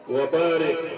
Warabaarɛ